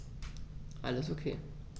Alles OK.